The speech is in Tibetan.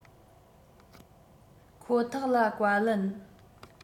ཁོ ཐག ལ བཀའ ལན